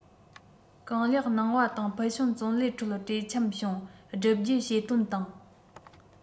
གང ལེགས གནང བ དང ཕུལ བྱུང བརྩོན ལེན ཁྲོད གྲོས འཆམ བྱུང བསྒྲུབ རྒྱུ བྱེད དོན དང